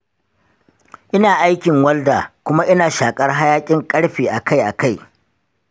ina aikin walda kuma ina shakar hayakin ƙarfe akai-akai.